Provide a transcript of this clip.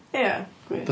Ie, gwir.